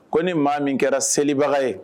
Ko ni maa min kɛra selibaga ye